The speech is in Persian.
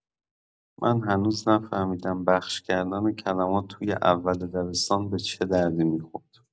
من هنوز نفهمیدم بخش کردن کلمات توی اول دبستان به چه دردی می‌خورد!